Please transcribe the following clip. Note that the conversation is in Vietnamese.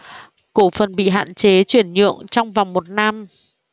cổ phần bị hạn chế chuyển nhượng trong vòng một năm